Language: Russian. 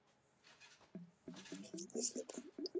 кто такой шлепа